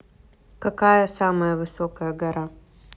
какая самая высокая гора